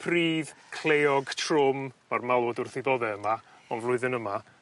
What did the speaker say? pridd clayog trwm, ma'r malwod wrth eu bodde yma on' flwyddyn yma